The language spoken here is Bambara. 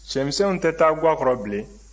cɛmisɛnw tɛ taa ga kɔrɔ bilen